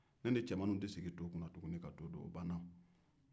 ne ni cɛmannin tɛ sigi to kunna tuguni ka to dun